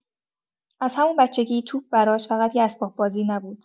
از همون بچگی توپ براش فقط یه اسباب‌بازی نبود؛